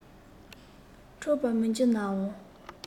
འཕྲོག པར མི འགྱུར ན འང